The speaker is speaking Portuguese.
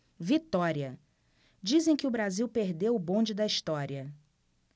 vitória dizem que o brasil perdeu o bonde da história